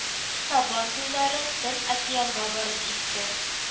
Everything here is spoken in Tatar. Сабан туйлары Тын Океанга барып җитте